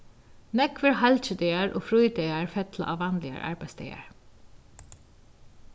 nógvir halgidagar og frídagar fella á vanligar arbeiðsdagar